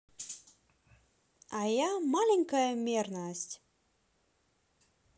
а я маленькая мерность